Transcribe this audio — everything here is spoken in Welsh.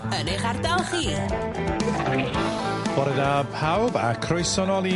Yn eich ardal chi. Bore da pawb a croeso nôl i...